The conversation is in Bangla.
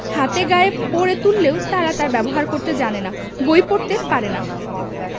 হাতে গায়ে পড়ে তুললেও তারা তার ব্যবহার করতে জানে না বই পড়তে পারে না